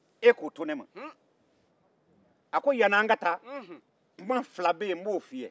e k'o to ne ma a ko yann'an ka taa kuma fila bɛ yen n b'o f'i ye